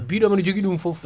biɗoma ne joogui ɗum foof